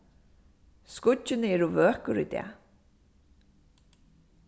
skýggini eru vøkur í dag